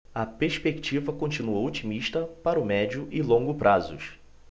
a perspectiva continua otimista para o médio e longo prazos